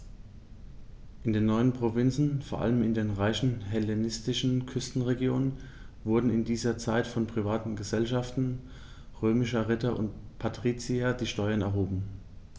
In den neuen Provinzen, vor allem in den reichen hellenistischen Küstenregionen, wurden in dieser Zeit von privaten „Gesellschaften“ römischer Ritter und Patrizier die Steuern erhoben.